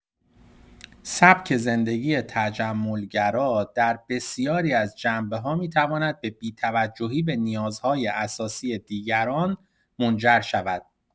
سبک زندگی تجمل‌گرا در بسیاری از جنبه‌ها می‌تواند به بی‌توجهی به نیازهای اساسی دیگران منجر شود.